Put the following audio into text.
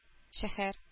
Шәһәр